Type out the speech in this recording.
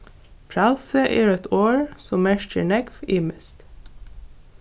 frælsi er eitt orð sum merkir nógv ymiskt